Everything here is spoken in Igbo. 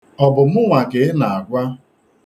Ọ bụ mụnwa ka ị na-agwa?